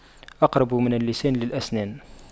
أقرب من اللسان للأسنان